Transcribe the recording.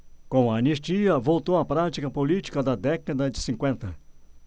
com a anistia voltou a prática política da década de cinquenta